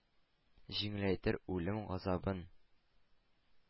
Җиңеләйтер үлем газабын,